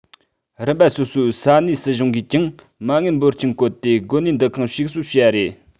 རིམ པ སོ སོའི ས གནས སྲིད གཞུང གིས ཀྱང མ དངུལ འབོར ཆེན བཀོལ ཏེ དགོན གནས འདུ ཁང ཞིག གསོ བྱས པ རེད